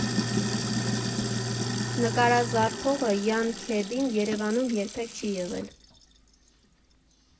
Նկարազարդողը՝ Յան Քեբին, Երևանում երբեք չի եղել։